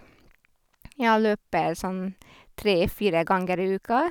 Jeg løper sånn tre fire ganger i uka.